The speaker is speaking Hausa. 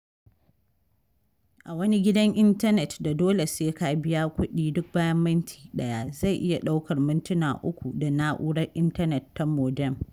A wani gidan intanet da dole sai ka biya kuɗi duk bayan minti ɗaya, zai iya ɗaukar mintuna 3 da na'urar intanet ta modem.